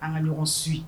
An ka ɲɔgɔn su